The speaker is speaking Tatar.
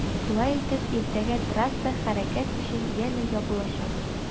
Шулай итеп иртәгә трасса хәрәкәт өчен янә ябылачак.